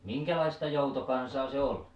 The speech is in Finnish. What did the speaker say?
minkälaista joutokansaa se oli